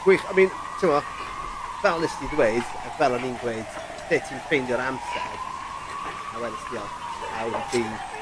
Gwych I mean t'mo' fel nest ti ddweud ac fel o'n i'n gweud lle ti'n ffeindio'r amser a wedest ti o jyst awr y dydd.